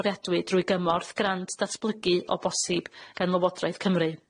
fforiadwy drwy gymorth grant datblygu o bosib gan Lywodraeth Cymru.